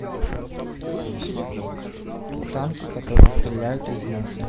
танки которые стреляют из носа